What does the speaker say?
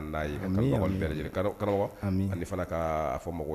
Ale ka fɔ mɔgɔ